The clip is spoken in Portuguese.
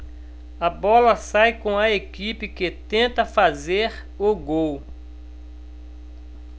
a bola sai com a equipe que tenta fazer o gol